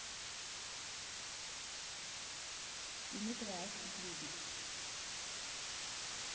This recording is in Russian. ты мой краш любит